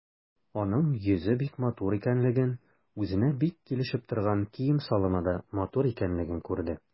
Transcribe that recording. Аның йөзе бик матур икәнлеген, үзенә бик килешеп торган кием-салымы да матур икәнлеген күрде.